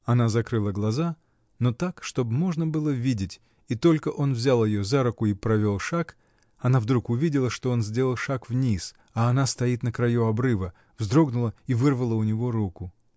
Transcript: Она закрыла глаза, но так, чтоб можно было видеть, и только он взял ее за руку и провел шаг, она вдруг увидела, что он сделал шаг вниз, а она стоит на краю обрыва, вздрогнула и вырвала у него руку.